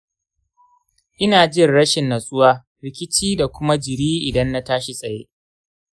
ina jin rashin natsuwa/rikici da kuma jiri idan na tashi tsaye.